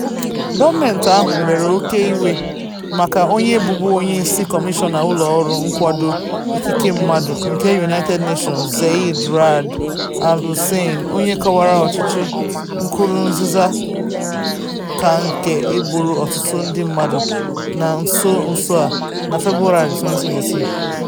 Gọọmentị ahụ were oke iwe maka onye bụbu onyeisi Kọmishọna ụlọọrụ nkwado ikike mmadụ nke United Nations, Zeid Ra'ad Al Hussein, onye kọwara ọchịchị Nkurunziza ka nke "e gburu ọtụtụ ndị mmadụ na nso nso a" na Febụwarị 2018.